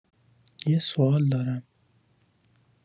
یه سوال دارم